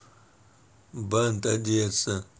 бант одесса